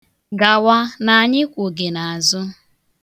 Gawa na anyị kwụ gị n'azụ.